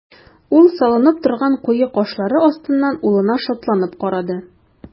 Ул салынып торган куе кашлары астыннан улына шатланып карады.